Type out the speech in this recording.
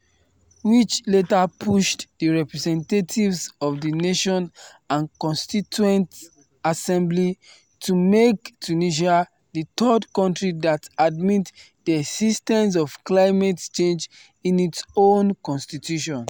Which later pushed the representatives of the nation and constituent assembly to make Tunisia the third country that admit the existence of climate change in it’s own constitution.